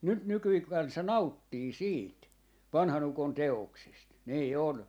nyt nykyinen kansa nauttii siitä vanhan ukon teoksesta niin on